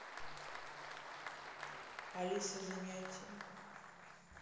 алиса занятия